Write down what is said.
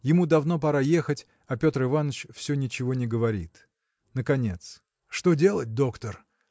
Ему давно пора ехать, а Петр Иваныч все ничего не говорит. Наконец. – Что делать, доктор?